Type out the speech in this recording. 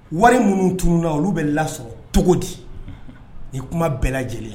Wari minnu tunu na olu bɛ lasɔrɔ cogo di ni kuma bɛɛ lajɛlen